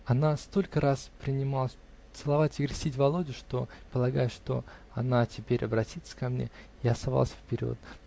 Она столько раз принималась целовать и крестить Володю, что -- полагая, что она теперь обратится ко мне -- я совался вперед